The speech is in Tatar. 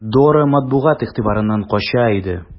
Дора матбугат игътибарыннан кача иде.